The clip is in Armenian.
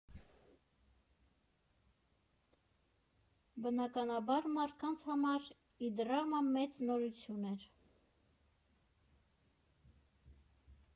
Բնականաբար մարդկանց համար Իդրամը մեծ նորություն էր։